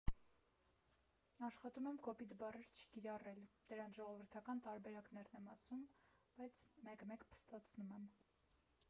Աշխատում եմ կոպիտ բառեր չկիրառել, դրանց ժողովրդական տարբերակներն եմ ասում, բայց մեկ֊մեկ փստացնում եմ։